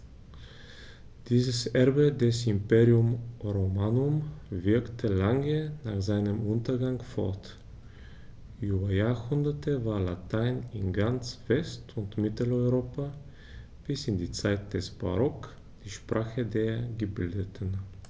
Dieses Erbe des Imperium Romanum wirkte lange nach seinem Untergang fort: Über Jahrhunderte war Latein in ganz West- und Mitteleuropa bis in die Zeit des Barock die Sprache der Gebildeten.